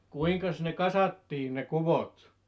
kuinkas ne kasattiin ne kuvot